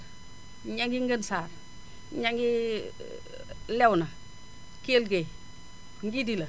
ña ngi Ngën Sar ña ngi Léona Kell Gueye Ngidila